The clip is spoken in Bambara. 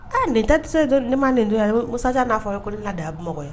Aa nin da tɛse ne ma nin don yan masajan n'a fɔ ye ko la da mɔgɔ ye